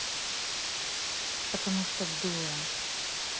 потому что дура